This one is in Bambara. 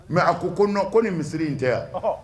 Mɛ a ko ko ko ni misisiriri in tɛ yan